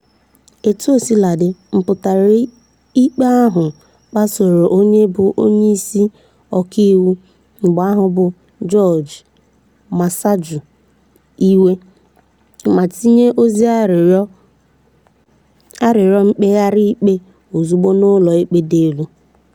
Etuosinadị, mpụtara ikpe ahụ kpasuru onye bụ Onyeisi Ọkaiwu mgbe ahụ bụ George Masaju iwe ma tinye ozi arịrịọ mkpegharị ikpe ozugbo n'Ụlọikpe Dị Elu: